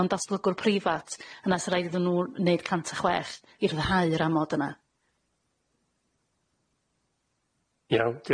fo'n datblygwr preifat yna sa raid iddyn nw neud cant a chwech i rhyddhau'r amod yna.